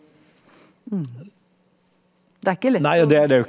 det er ikke lett å.